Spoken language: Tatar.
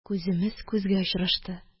Күземез күзгә очрашты